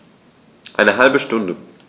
Eine halbe Stunde